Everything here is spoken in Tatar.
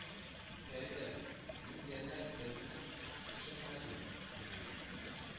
Фәридә, мин янә берни төшенмәдем,-диде ул